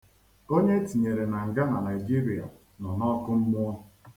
Onye e tinyere na nga na Naịjirịa nọ n'ọkụmmụọ.